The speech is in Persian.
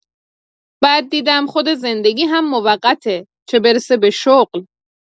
بعد دیدم خود زندگی هم موقته، چه برسه به شغل.